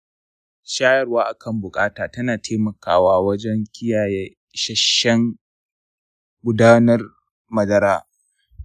shayarwa akan buƙata tana taimakawa wajen kiyaye isasshen gudanar madara.